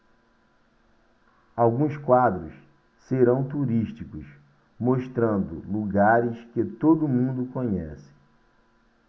alguns quadros serão turísticos mostrando lugares que todo mundo conhece